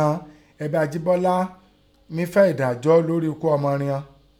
Àghọn ẹbí Ajíbọ́lá mí fẹ́ ẹ̀dájọ́ lórí ikú ọmọ righọn.